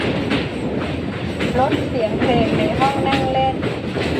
ลดเสียงเพลงในห้องนั่งเล่น